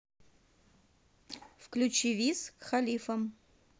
включи виз кхалифа